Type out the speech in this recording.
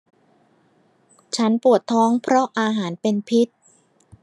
ฉันปวดท้องเพราะอาหารเป็นพิษ